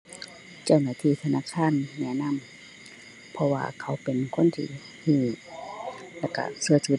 เจ้าหน้าที่ธนาคารแนะนำ เพราะว่าเขาเป็นคนที่รู้แล้วรู้รู้ถือ